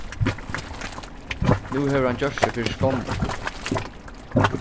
nú hevur hann gjørt sær fyri skommum